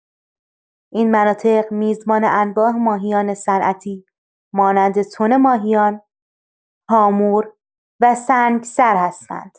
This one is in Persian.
این مناطق میزبان انواع ماهیان صنعتی مانند تن ماهیان، هامور و سنگسر هستند.